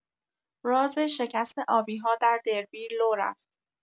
راز شکست آبی‌ها در دربی لو رفت